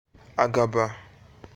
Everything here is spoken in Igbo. agaba